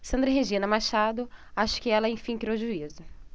sandra regina machado acho que ela enfim criou juízo